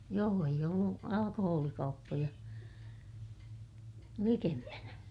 joo ei ollut alkoholikauppoja likempänä